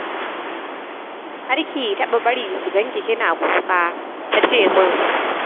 “kar ki taba bari su ganki kina kuka,” ta ce min.